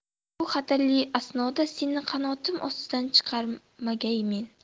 bu xatarli asnoda seni qanotim ostidan chiqarmagaymen